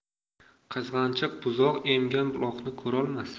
qizg'anchiq buzoq emgan uloqni ko'rolmas